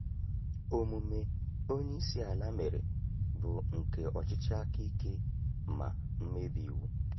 Omume onyeisiala mere bụ nke ọchịchị aka ike ma mmebi iwu.